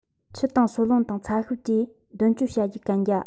ཆུ དང སོལ རླངས དང ཚ ཤུགས བཅས འདོན སྤྱོད བྱ རྒྱུའི གན རྒྱ